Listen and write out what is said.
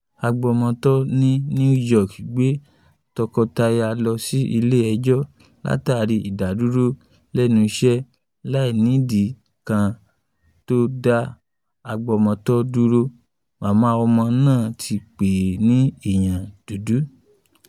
Agbọmọtọ́ ní New York gbé tọkọtaya lọ sí ilé-ẹjọ́ látàrí ìdádúró lẹnu iṣẹ́ láìnídìí. K’ọ́n tó dá agbọmọtọ́ dúró, màmá ọmọ náà t pè é ní “èèyàn dúdú.”